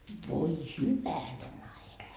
voi hyvänen aika